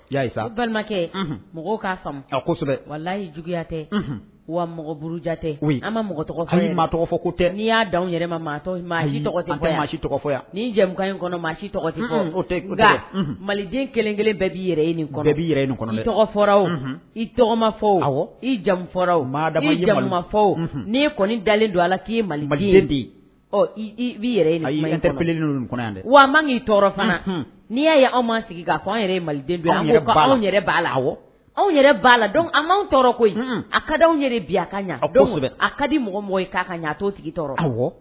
Ya balimakɛ mɔgɔ k'a a kosɛbɛ walayi juguyaya tɛ wa mɔgɔ buruja tɛ an mɔgɔ tɔgɔ fɔ ko tɛ n'i y'a yɛrɛma maatɔ tɔgɔ yan ni jamu in kɔnɔ maa maliden kelenkelen bɛɛ b'i yɛrɛ bɛ nin tɔgɔ i tɔgɔma fɔ i jamudama fɔw n'i ye kɔni dalen don ala k'i mali de yɛrɛ kelen dɛ wa man k'i tɔɔrɔ fana n'i y'a ye anw ma sigi k fɔ anw yɛrɛ maliden yɛrɛ b' la anw yɛrɛ b' la a' tɔɔrɔ ko a ka di anw yɛrɛ bi a ka ɲɛ a ka di mɔgɔ mɔgɔ k'a ka to tigi tɔɔrɔ